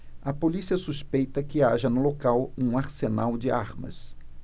a polícia suspeita que haja no local um arsenal de armas